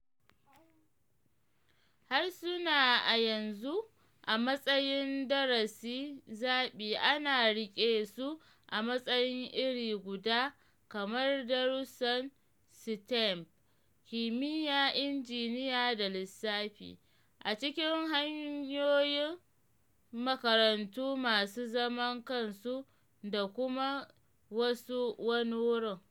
Harsuna a yanzu, a matsayin darasin zaɓi, ana riƙe su a matsayi iri guda kamar darussan STEM (kimiyya, injiniya da lissafi) a cikin manhajojin makarantun masu zaman kansu da kuma wasu wani wurin.